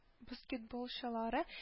Баскетболчылары